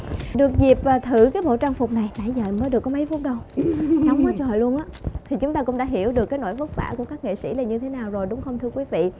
được dịp thử cái bộ trang phục này nãy giờ em mới được có mấy phút đâu nóng quá trời luôn á thì chúng ta cũng đã hiểu được cái nỗi vất vả của các nghệ sĩ là như thế nào rồi đúng không thưa quý vị